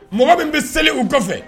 Mɔgɔ min bɛ seli u kɔfɛ